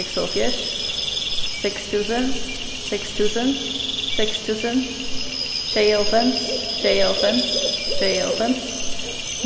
seksoghálvfjerðs seks túsund seks túsund seks túsund sjeyoghálvfems sjeyoghálvfems sjeyoghálvfems